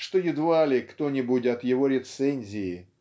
что едва ли кто-нибудь от его рецензии